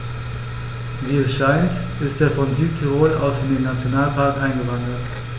Wie es scheint, ist er von Südtirol aus in den Nationalpark eingewandert.